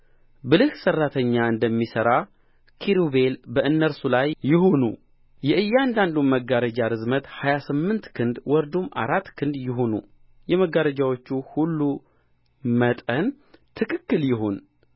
ብልህ ሠራተኛ እንደሚሠራ ኪሩቤል በእነርሱ ላይ ይሁኑ የእያንዳንዱ መጋረጃ ርዝመት ሀያ ስምንት ክንድ ወርዱም አራት ክንድ ይሁን የመጋረጆቹ ሁሉ መጠን ትክክል ይሁን